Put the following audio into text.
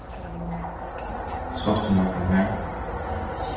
sást tú nakran har